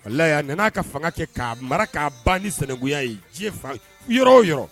Walayi a nan'a ka fanga kɛ k'a bara k'a ban ni sinanguya ye diɲɛ fan, yɔrɔ o yɔrɔ